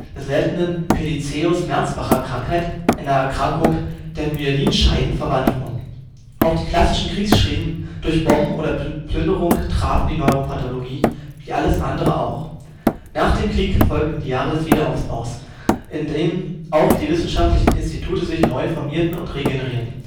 seltenen Pelizaeus-Merzbacher-Krankheit, einer Erkrankung der Myelinscheiden, verwandt wurden. Auch die „ klassischen “Kriegsschäden durch Bomben oder Plünderung trafen die Neuropathologie – wie alles andere auch. Nach dem Krieg folgten die Jahre des Wiederaufbaus, in denen auch die wissenschaftlichen Institute sich neu formierten und regenerierten